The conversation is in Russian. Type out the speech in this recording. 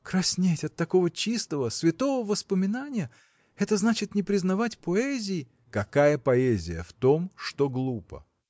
– Краснеть от такого чистого, святого воспоминания? это значит не признавать поэзии. – Какая поэзия в том, что глупо?